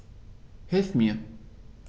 Hilf mir!